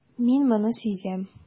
Мин моны сизәм.